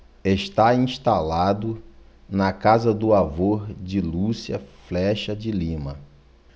está instalado na casa do avô de lúcia flexa de lima